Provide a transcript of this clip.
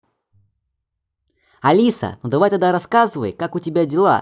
алиса ну давай тогда рассказывай как у тебя дела